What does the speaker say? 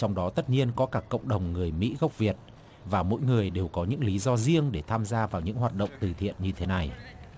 trong đó tất nhiên có cả cộng đồng người mỹ gốc việt và mỗi người đều có những lý do riêng để tham gia vào những hoạt động từ thiện như thế này